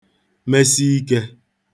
mesi ikē